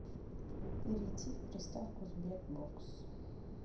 перейти в приставку sberbox